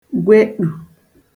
gweṭù